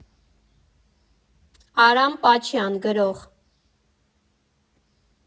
Արամ Պաչյան, գրող։